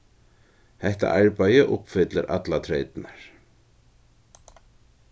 hetta arbeiðið uppfyllir allar treytirnar